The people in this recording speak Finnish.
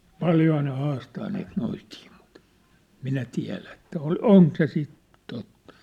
paljonhan ne haastaa niitä noitia mutta minä tiedä että - onko se sitten totta